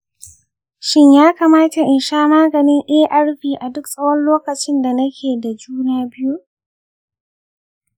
shin ya kamata in sha maganin arv a duk tsawon lokacin da nake da juna biyu?